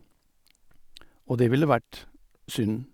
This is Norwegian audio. Og det ville vært synd.